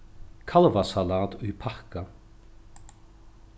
kalvasalat í pakka